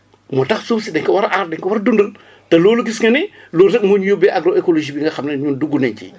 moo tax suuf si dañ ko war a aar dañ ko war a dundal te loolu gis nga ne loolu rek moo ñu yóbbee agroécologie bi nga xam ne ñun dugg nañ ci